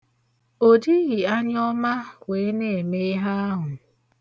O jighị anyọọma wee na-eme ihe ahụ